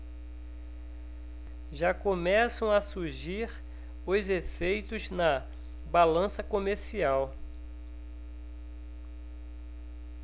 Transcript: já começam a surgir os efeitos na balança comercial